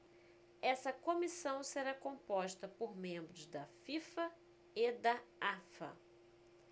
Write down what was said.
essa comissão será composta por membros da fifa e da afa